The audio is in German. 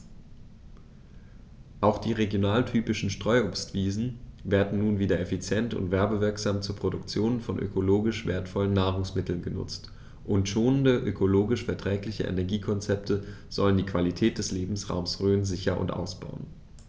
Auch die regionaltypischen Streuobstwiesen werden nun wieder effizient und werbewirksam zur Produktion von ökologisch wertvollen Nahrungsmitteln genutzt, und schonende, ökologisch verträgliche Energiekonzepte sollen die Qualität des Lebensraumes Rhön sichern und ausbauen.